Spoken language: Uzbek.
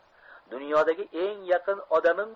dunyodagi eng yaqin odamim